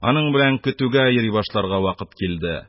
Аның белән көтүгә йөри башларга вакыт килде.